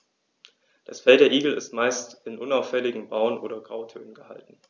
Das Fell der Igel ist meist in unauffälligen Braun- oder Grautönen gehalten.